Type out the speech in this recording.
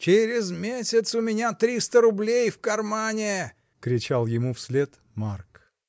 — Через месяц у меня триста рублей в кармане! — кричал ему вслед Марк.